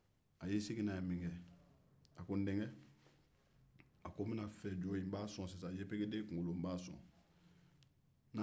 a ko n denkɛ n bɛna yefegeden kunkolo sɔn sisan